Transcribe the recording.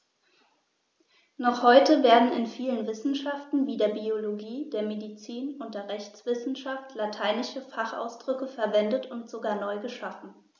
Noch heute werden in vielen Wissenschaften wie der Biologie, der Medizin und der Rechtswissenschaft lateinische Fachausdrücke verwendet und sogar neu geschaffen.